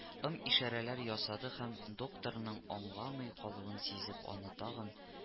Ым-ишарәләр ясады һәм докторның аңламый калуын сизеп аны тагын